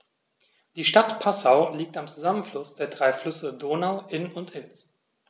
Die Stadt Passau liegt am Zusammenfluss der drei Flüsse Donau, Inn und Ilz.